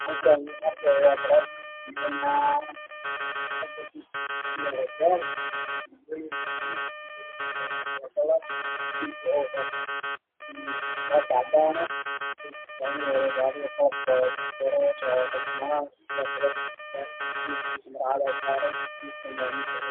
Waxa ay muuqda wiil wata khamiis caddaan oo ku fararo miis waxaa saaran alaab cadaan ah waana caafimaad